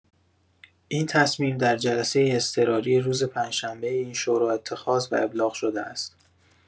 این تصمیم در جلسه اضطراری روز پنج‌شنبه این شورا اتخاذ و ابلاغ شده است.